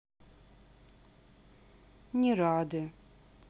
не рады